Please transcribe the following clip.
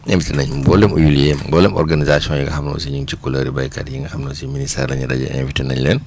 invité nañ mboolem huilier mboolem organisation yi nga xam aussi ñu ngi ci coleur béykat yi nga xam aussi ministère la ñuy daje invité nañ leen